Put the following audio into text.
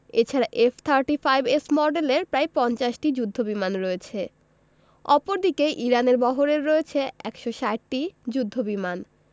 এ ছাড়া F thirty five S মডেলের প্রায় ৫০টি যুদ্ধবিমান রয়েছে অপরদিকে ইরানের বহরে রয়েছে ১৬০টি যুদ্ধবিমান